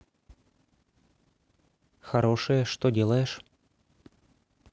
хорошие что делаешь